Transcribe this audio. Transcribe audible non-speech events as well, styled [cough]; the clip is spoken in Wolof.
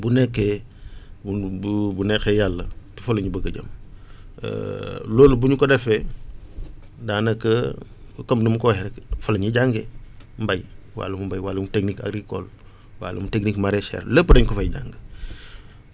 bu nekkee [breath] bu bu neexee yàlla fa la ñu bëgg a jëm [breath] [hesitation] loolu bu ñu ko defee daanaka comme nu ma ko waxee rek fa la ñuy jàngee mbéy wàllum mbéy wàllum technique agricole [breath] wàllum technique maraichère lépp dañ ko fay jàng [breath]